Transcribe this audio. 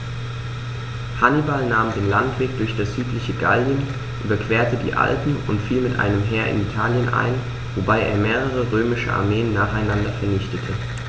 Hannibal nahm den Landweg durch das südliche Gallien, überquerte die Alpen und fiel mit einem Heer in Italien ein, wobei er mehrere römische Armeen nacheinander vernichtete.